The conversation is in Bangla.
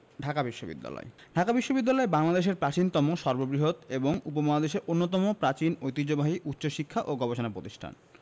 ঢাকা বিশ্ববিদ্যালয় ঢাকা বিশ্ববিদ্যালয় বাংলাদেশের প্রাচীনতম সর্ববৃহৎ এবং উপমহাদেশের অন্যতম প্রাচীন ঐতিহ্যবাহী উচ্চশিক্ষা ও গবেষণা প্রতিষ্ঠান